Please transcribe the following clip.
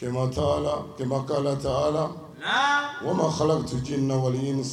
Cɛbama taa alama ala taa ala walima ma ha bɛtu ji na wale ɲini